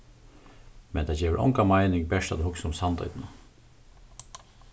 men tað gevur onga meining bert at hugsa um sandoynna